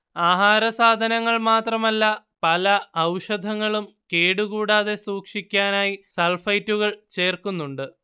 ആഹാരസാധനങ്ങൾ മാത്രമല്ല പല ഔഷധങ്ങളും കേടുകൂടാതെ സൂക്ഷിക്കാനായി സൾഫൈറ്റുകൾ ചേർക്കുന്നുണ്ട്